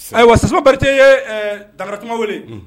Ayiwa wa sisanbari ye dagarakan wele